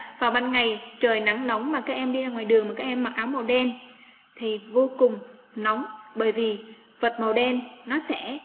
trời nắng nóng mà thấy em đi ra ngoài đường mà em mặc áo màu đen thì vô cùng nóng bởi vì vật màu đen nó sẽ